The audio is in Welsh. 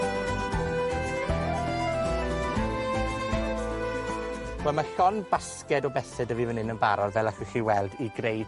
Wel ma' llon basged o bethe 'da fi fan 'yn barod, fel allwch chi weld, i greu